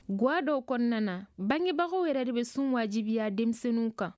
ga dɔw kɔnɔna na bangebagaw yɛrɛ de bɛ sun wajibiya denmisɛnninw kan